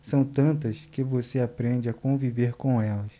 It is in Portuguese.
são tantas que você aprende a conviver com elas